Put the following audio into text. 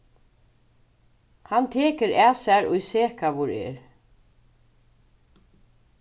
hann tekur at sær ið sekaður er